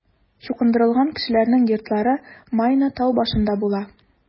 Чукындырылган кешеләрнең йортлары Майна тау башында була.